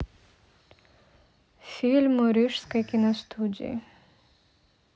фильмы рижской киностудии